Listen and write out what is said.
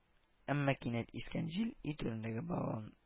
Әмма кинәт искән җил өй түрендәге баан